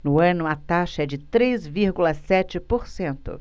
no ano a taxa é de três vírgula sete por cento